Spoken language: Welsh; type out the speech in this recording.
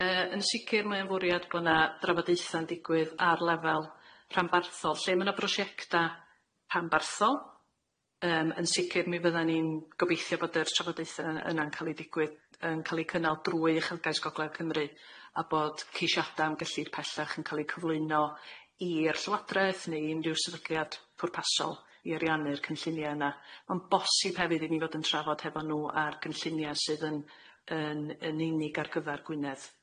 Yy yn sicir mae o'n fwriad bo' na drafodaethe yn digwydd ar lefel rhanbarthol lle ma' na brosiecta rhanbarthol, yym yn sicir mi fyddan ni'n gobeithio bod yr trafodaethe yna yn ca'l eu digwydd yn ca'l eu cynnal drwy Uchelgais Gogledd Cymru a bod ceisiada am gyllid pellach yn ca'l eu cyflwyno i'r Llywodraeth neu unrhyw sefylliad pwrpasol i ariannu'r cynllunia yna, ma'n bosib hefyd i ni fod yn trafod hefo nw ar gynllunia sydd yn yn yn unig ar gyfar Gwynedd.